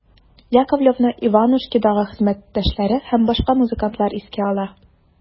Яковлевны «Иванушки»дагы хезмәттәшләре һәм башка музыкантлар искә ала.